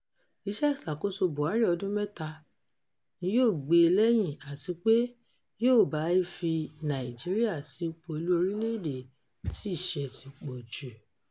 Iṣẹ́ ìṣàkóso Buhari ọdún mẹ́ta ni yóò gbè é lẹ́yìn àti pé yóò bá ìfi Nàìjíríà sí ipò olú orílẹ̀-èdè tí ìṣẹ́ ti pọ̀ jù.